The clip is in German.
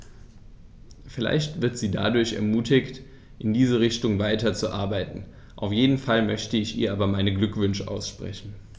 Vielleicht wird sie dadurch ermutigt, in diese Richtung weiterzuarbeiten, auf jeden Fall möchte ich ihr aber meine Glückwünsche aussprechen.